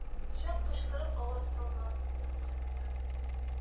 Чак кычкырып аваз салмадым хәтта